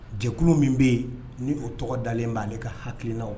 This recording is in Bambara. Jɛkulu min bɛ yen ni o tɔgɔ dalenlen b' ale ka hakiina